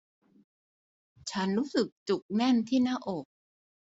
ฉันรู้สึกจุกแน่นที่หน้าอก